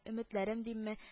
Өметләрем димме